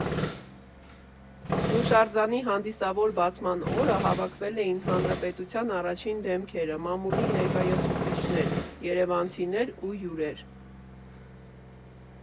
Հուշարձանի հանդիսավոր բացման օրը հավաքվել էին հանրապետության առաջին դեմքերը, մամուլի ներկայացուցիչներ, երևանցիներ ու հյուրեր։